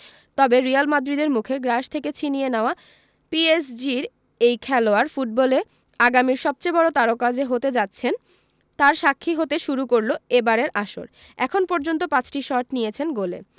তবে রিয়াল মাদ্রিদের মুখে গ্রাস থেকে ছিনিয়ে নেওয়া পিএসজির এই খেলোয়াড় ফুটবলে আগামীর সবচেয়ে বড় তারকা যে হতে যাচ্ছেন তার সাক্ষী হতে শুরু করল এবারের আসর এখন পর্যন্ত ৫টি শট নিয়েছেন গোলে